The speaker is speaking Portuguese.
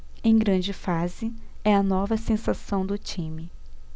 em grande fase é a nova sensação do time